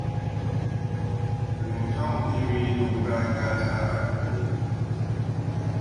เปลี่ยนช่องทีวีดูรายการสารคดี